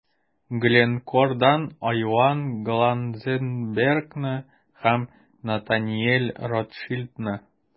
Glencore'дан Айван Глазенбергны һәм Натаниэль Ротшильдны.